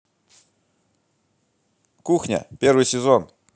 кухня первый сезон